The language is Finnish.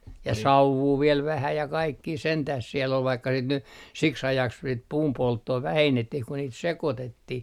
ja sauvua vielä vähän ja kaikkia sentään siellä oli vaikka sitten nyt siksi ajaksi sitä puunpolttoa vähennettiin kun niitä sekoitettiin